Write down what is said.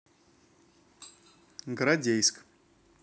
город ейск